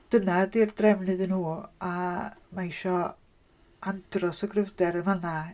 Dyna ydy'r drefn iddyn nhw a mae isio andros o gryfder yn fan'na...